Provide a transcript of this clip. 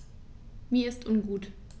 Mir ist ungut.